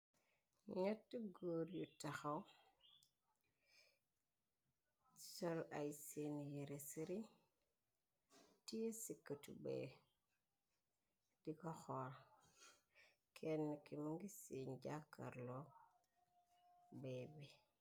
Nyeeti góor yu taxaw, sol ay seerr nyere serign teey chikëtu beye di ko xoor, kenn ki mu ngi senn jakkarlo beye bi.